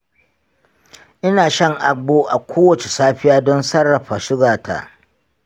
ina shan agbo a kowace safiya don sarrafa sugata.